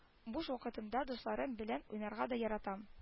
Буш вакытымда дусларым белән уйнарга да яратам